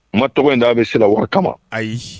N ma tɔgɔ in da' a bɛ siran wara kama ayi